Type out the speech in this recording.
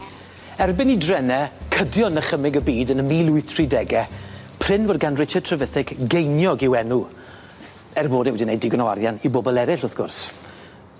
Erbyn i drene cydio yn nychymyg y byd yn y mil wyth tri dege, prin fod gan Richard Trevithick geiniog i'w enw er bod e wedi neud digon o arian i bobol eryll wrth gwrs.